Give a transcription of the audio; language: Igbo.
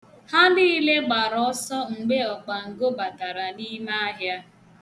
Ha niile gbara ọsọ mgbe ọkpango batara n' ime ahịa.